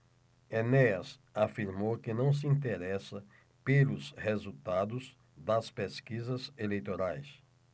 enéas afirmou que não se interessa pelos resultados das pesquisas eleitorais